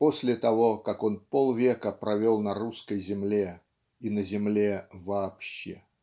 после того как он полвека провел на русской земле и на земле вообще. "